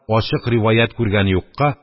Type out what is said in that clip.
Ачык ривайәт күргәне юкка